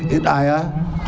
i ɗaya